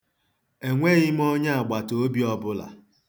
Enweghị m onyeagbataobi ọbụla.